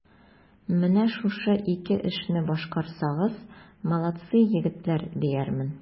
Менә шушы ике эшне башкарсагыз, молодцы, егетләр, диярмен.